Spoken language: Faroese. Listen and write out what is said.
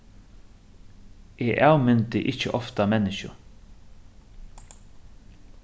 eg avmyndi ikki ofta menniskju